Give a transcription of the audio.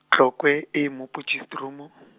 Tlokwe, e mo Potchefstroom.